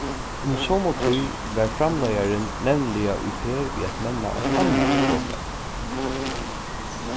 um somu tíð var framleiðarin nevniliga í ferð við at menna eitt annað flogfar